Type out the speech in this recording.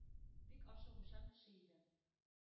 Бик ашыгучан кеше иде.